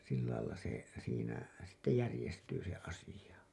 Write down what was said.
sillä lailla se siinä sitten järjestyy se asia